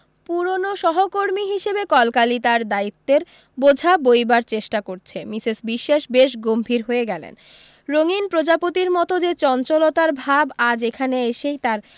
পুরনো সহকর্মী হিসেবে কলকালি তার দ্বায়িত্বের বোঝা বৈবার চেষ্টা করছে মিসেস বিশ্বাস বেশ গম্ভীর হয়ে গেলেন রঙিন প্রজাপতির মতো যে চঞ্চলতার ভাব আজ এখানে এসেই তার